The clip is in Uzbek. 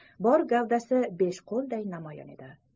bor gavdasi besh qo'lday namoyon bo'ldi